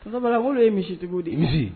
Olu ye misitigiw de misi ye